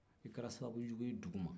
e kɛra sababuju ye dugu ma